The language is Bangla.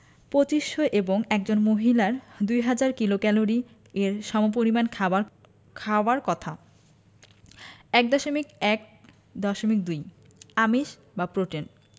২৫০০ এবং একজন মহিলার ২০০০ কিলোক্যালরি এর সমপরিমান খাবার খাওয়াবার কথা ১.১.২ আমিষ বা প্রোটিন